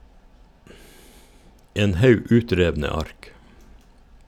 En haug utrevne ark.